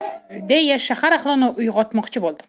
deya shahar ahlini o'yg'otmokchi bo'ldi